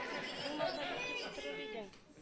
Булмаса юк дип утырыр идең